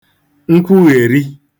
nkwughèri